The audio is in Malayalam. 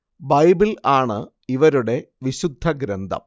ബൈബിൾ ആണ് ഇവരുടെ വിശുദ്ധ ഗ്രന്ഥം